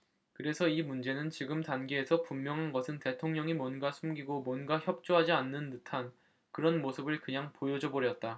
그래서 이 문제는 지금 단계에서 분명한 것은 대통령이 뭔가 숨기고 뭔가 협조하지 않는 듯한 그런 모습을 그냥 보여줘버렸다